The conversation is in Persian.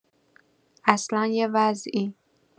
اصلا یه وضعی